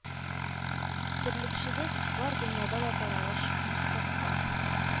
Терлекчелек бар дөньяда да таралыш тапкан